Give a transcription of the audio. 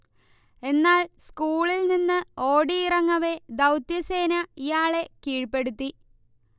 എന്നാൽ, സ്കൂളിൽനിന്ന് ഓടിയിറങ്ങവെ, ദൗത്യസേന ഇയാളെ കീഴ്പ്പെടുത്തി